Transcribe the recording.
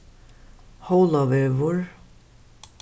hólavegur